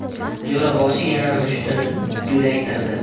jo'raboshi yana mushtini do'laytirdi